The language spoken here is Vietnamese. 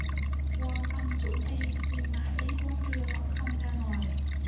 quang tông chuẩn y nhưng mãi đến quá trưa vẫn không ra ngoài